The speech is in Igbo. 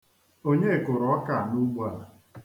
Onye kụrụ ọka a n'ugbo a?